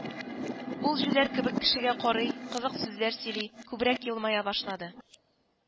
Ул җүләр кебек кешегә карый, кызык сүзләр сөйли, күбрәк елмая башлады